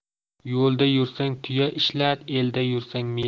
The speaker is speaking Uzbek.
yo'lda yursang tuya ishlat elda yursang miya